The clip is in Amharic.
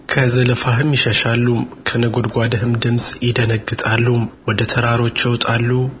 ከዘለፋህም ይሸሻሉ ከነጐድጓድህም ድምፅ ይደነግጣሉ ወደ ተራሮች ይወጣሉ